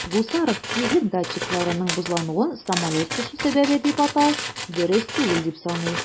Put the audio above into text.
Гусаров тизлек датчикларының бозлануын самолет төшү сәбәбе дип атау дөрес түгел дип саный.